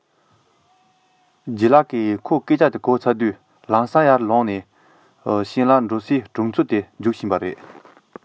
ལྗད ལགས ཀྱིས ཁོའི སྐད ཆ དེ གོ བ དང ལམ སེང ཡར ལངས ནས སྤྱང ལགས འགྲོ སའི གྲོང ཚོ དེར རྒྱུགས ཕྱིན པ རེད